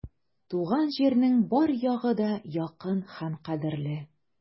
Туган җирнең бар ягы да якын һәм кадерле.